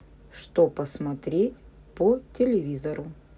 что посмотреть по телевизору